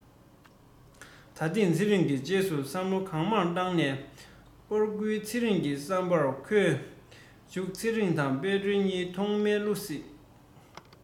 ད ཐེངས ཚེ རིང གིས རྗེས སུ བསམ བློ གང མང བཏང ནས པར བསྐུར ཚེ རིང གི བསམ པར ཁོས མཇུག ཚེ རིང དང དཔལ སྒྲོན གཉིས ཐོག མའི བསླུ བྲིད